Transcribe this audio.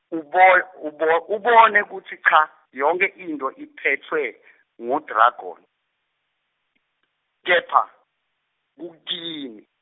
ubo ubo ubone kutsi cha, yonkhe intfo iphetfwe ngu-dragon, kepha kukini.